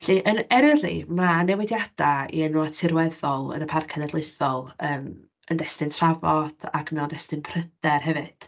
'Lly, yn Eryri, ma' newidiadau i enwa tirweddol yn y parc cenedlaethol yym yn destun trafod, ac mae o'n destun pryder hefyd.